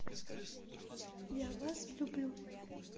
я вас люблю